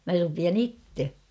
minä rupean itse